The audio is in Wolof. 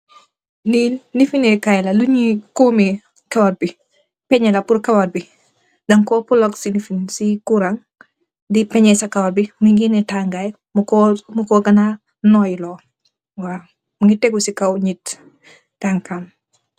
Li lifiney Kai la, lung dey komey karaww bi, penye la purr karaww bi. Dang ko plug si kurang, di penye sa karaww bi mui gene tangai, muko gana noii lo. Mungi tegu c kaww nit tangkam